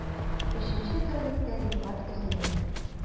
Өченче тәүлектә Рифат өзелә...